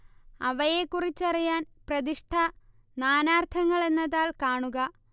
അവയെക്കുറിച്ചറിയാൻ പ്രതിഷ്ഠ നാനാർത്ഥങ്ങളെന്ന താൾ കാണുക